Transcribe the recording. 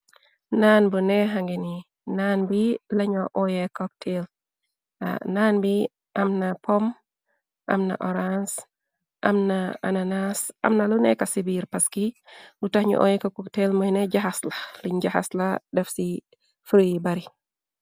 Naan bu neexange ni naan bi laño oye koktel waw naan bi amna pom amna orance am na ananas amna lu nekka ci biir paski lu taxñu ooye ko koktel moy na jaxas la luñ jaxas la def ci feriyu bari.